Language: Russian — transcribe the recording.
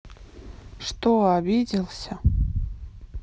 что обиделся